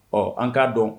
Ɔ an k'a dɔn